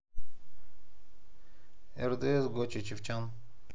рдс гочи чивчян